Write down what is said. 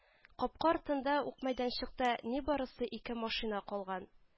Капка артында ук мәйданчыкта нибарысы ике машина калган